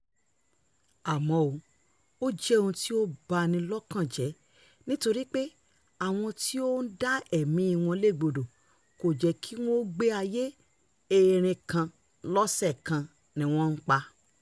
Àmọ́ ó jẹ́ ohun tí ó bani lọ́kàn jẹ́ nítorí pé àwọn tí ó ń dá ẹ̀míi wọn légbodò kò jẹ́ kí wọn ó gbé ayé, erin kan lọ́sẹ̀ kan ni wọ́n ń pa.